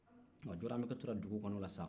ayiwa jɔwɔrɔmɛ kɛ tora dugu kɔnɔ o la sa